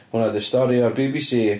Hwnna 'di'r stori o'r BBC.